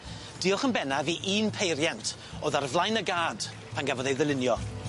Diolch yn bennaf i un peiriant o'dd ar flaen y gad pan gafodd ei ddylunio.